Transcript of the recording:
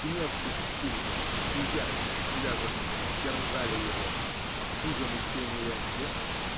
гнев бессильный и ярость связанная терзали его, а хуже мучения нет.